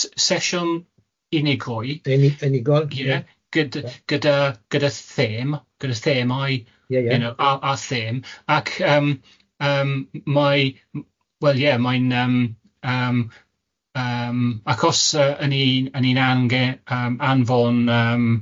Ses- sesiwn unigrwy unig-... Unigol ie. ...gyda gyda gyda them gyda themau.... Ie ie. ...you know a a them ac yym yym mae m- wel ie mae'n yym yym yym acos yy y'n ni'n y'n ni'n angen yym anfon yym yym